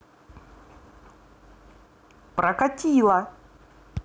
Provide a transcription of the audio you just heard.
прокатило